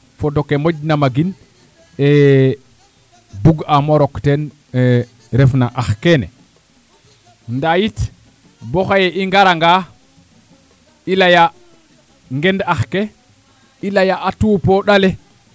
fo no ke moƴna magin bugaam o rok teen refna ax keene ndaa yit bo xaye i ngaranga i laya nqedn ax ke i laya a tupooƭ ale